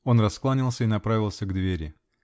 Он раскланялся и направился к двери.